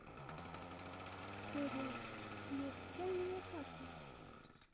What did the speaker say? в смертельной опасности